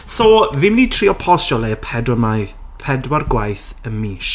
So, fi'n mynd i trio postio o leia pedwar mai- pedwar gwaith y mis.